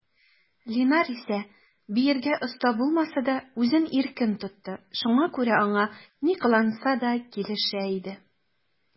Линар исә, биергә оста булмаса да, үзен иркен тотты, шуңа күрә аңа ни кыланса да килешә иде.